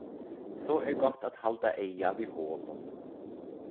so er gott at halda eyga við holum